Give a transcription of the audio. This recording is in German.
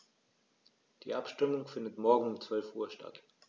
Die Abstimmung findet morgen um 12.00 Uhr statt.